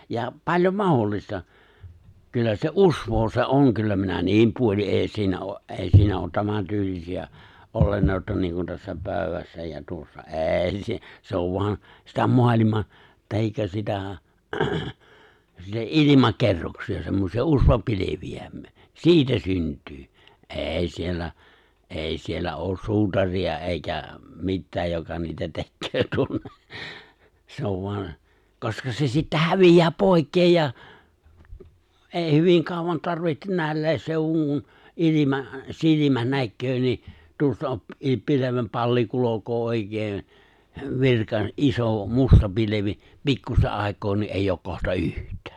ja paljon mahdollista kyllä se usvaa se on kyllä minä niin puolin ei siinä ole - ei siinä ole tämän tyylisiä olentoja niin kuin tässä pöydässä ja tuossa ei - se on vain sitä maailman tai sitä sitä ilmakerroksia semmoisia usvapilviä siitä syntyy ei siellä ei siellä ole suutaria eikä mitään joka niitä tekee tuonne se on vain koska se sitten häviää pois ja ei hyvin kauan tarvitse näilläkin seuduin kun ilma silmä näkee niin tuosta - pilvenpalli kulkee oikein - iso musta pilvi pikkuista aikaa niin ei ole kohta yhtään